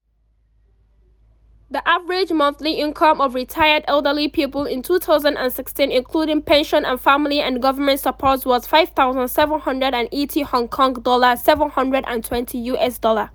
The average monthly income of retired elderly people in 2016—including pension and family and government support—was HK$5,780 (US$720).